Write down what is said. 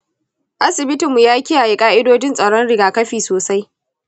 asibitinmu ya kiyaye ka’idojin tsaron rigakafi sosai.